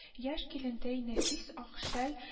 Яшь килендәй нәфис ак шәл